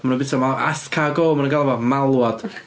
Maen nhw'n bwyta mal- Escargot maen nhw'n galw fo. Malwod.